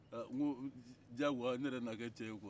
n ko diyagoya n yɛrɛ na kɛ cɛ ye kuwa